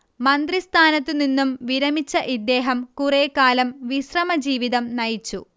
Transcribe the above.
മന്ത്രിസ്ഥാനത്തുനിന്നും വിരമിച്ച ഇദ്ദേഹം കുറേക്കാലം വിശ്രമജീവിതം നയിച്ചു